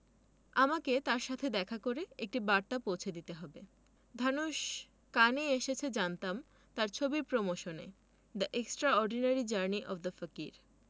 আমাকে তার সাথে দেখা করে একটি বার্তা পৌঁছে দিতে হবে ধানুশ কানে এসেছে জানতাম তার ছবির প্রমোশনে the extraordinary journey of the Fakir